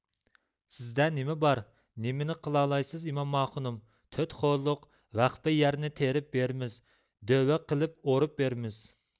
سىزدە نېمە بار نېمىنى قىلالايسىز ئىمامئاخۇنۇم تۆت خولۇق ۋەخپە يەرنى تېرىپ بېرىمىز دۆۋە قىلىپ ئورۇپ بېرىمىز